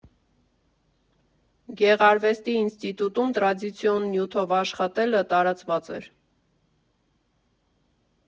Գեղարվեստի ինստիտուտում տրադիցիոն նյութով աշխատելը տարածված էր։